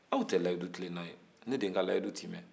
aw tɛ layidu tilenna ye ne de ye n ka layidu tiimɛ